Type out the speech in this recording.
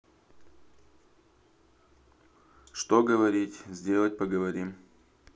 что говорить сделать поговорим